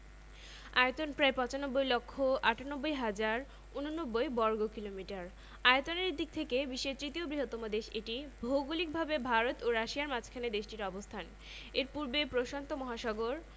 Asia মহাদেশের মদ্ধ্য দক্ষিনে ভারতের অবস্থানএর উত্তরে রয়েছে পৃথিবীর বৃহত্তম হিমালয় পর্বতমালা পূর্বাঞ্চলে আরাকান পর্বত ও আসামপশ্চিমাঞ্চলে হিন্দুকুশ ও সুলেমান পর্বতমালা